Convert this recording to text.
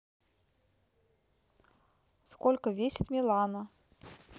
сколько весит милана